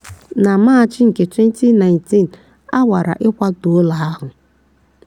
Na Maachị nke 2019, a nwara ịkwatu ụlọ ahụ.